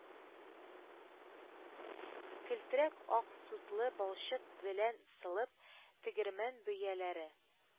Келтрәк ак сутлы балчык белән сылап, тегермән бөяләре